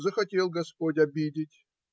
Захотел господь обидеть.